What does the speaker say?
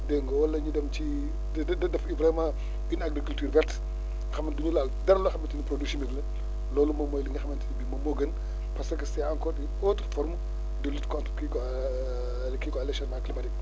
dégg nga wala ñu dem di di di def vraiment une agriculture verte xam ne du ñu laal dara loo xamante ni produit chimique la loolu moom mooy li nga xamante ne bii moom moo gën parce que c' est encore :fa une autre forme de lutte contre kii quoi les kii quoi les changement climatiques